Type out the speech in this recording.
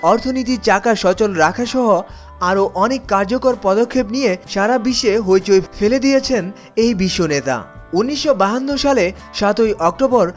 অর্থনীতির চাকা সচল রাখা সহ আরো অনেক কার্যকর পদক্ষেপ নিয়ে সারা বিশ্বে হইচই ফেলে দিয়েছেন এই বিশ্ব নেতা ১৯৫২ সালের ৭ ই অক্টোবর